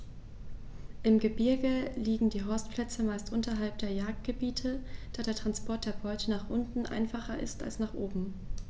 Im Gebirge liegen die Horstplätze meist unterhalb der Jagdgebiete, da der Transport der Beute nach unten einfacher ist als nach oben.